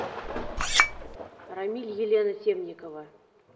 рамиль елена темникова